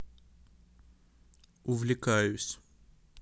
увлекаюсь